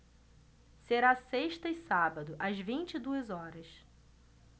será sexta e sábado às vinte e duas horas